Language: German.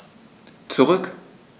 Zurück.